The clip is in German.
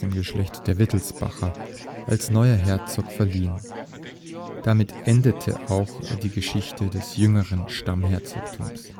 Geschlecht der Wittelsbacher als neuer Herzog verliehen. Damit endete auch die Geschichte des „ jüngere Stammesherzogtums